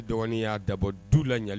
Dɔgɔnin ya da bɔ du la